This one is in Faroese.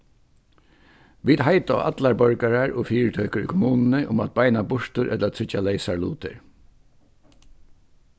vit heita á allar borgarar og fyritøkur í kommununi um at beina burtur ella tryggja leysar lutir